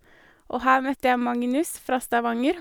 Og her møtte jeg Magnus fra Stavanger.